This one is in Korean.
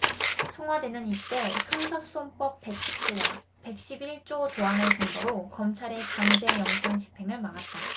청와대는 이때 형사소송법 백 십 조와 백 십 일 조 조항을 근거로 검찰의 강제 영장집행을 막았다